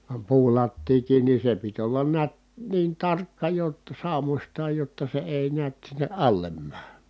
vaan puulattiakin niin se piti olla näet niin tarkka jotta saumoistaan jotta se ei näet sinne alle mene